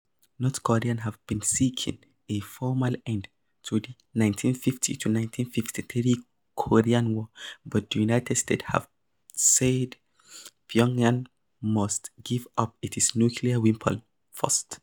North Korea has been seeking a formal end to the 1950-53 Korea War, but the United States has said Pyongyang must give up its nuclear weapons first.